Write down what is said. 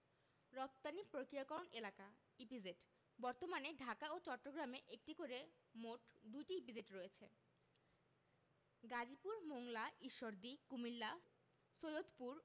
রপ্তানি প্রক্রিয়াকরণ এলাকাঃ ইপিজেড বর্তমানে ঢাকা ও চট্টগ্রামে একটি করে মোট ২টি ইপিজেড রয়েছে গাজীপুর মংলা ঈশ্বরদী কুমিল্লা সৈয়দপুর